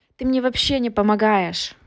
ты мне вообще не помогаешь